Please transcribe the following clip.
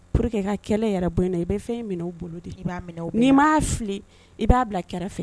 Pour que ka kɛlɛ yɛrɛ bɔ in nɔ i bɛ fɛn minɛ u bolo de, i ba minɛ u bolo, n'i m'a fili i b'a bila kɛrɛfɛ.